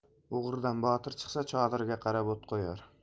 o'g'ridan botir chiqsa chodiriga qarab ot qo'yar